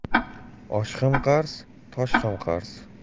osh ham qarz tosh ham